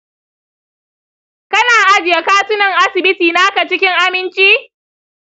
kana ajiye katunan asibiti naka cikin aminci?